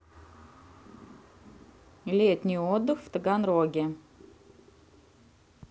летний отдых в таганроге